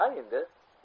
ana endi